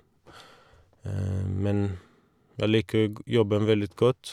Men jeg liker g jobben veldig godt.